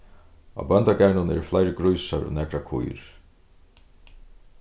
á bóndagarðinum eru fleiri grísar og nakrar kýr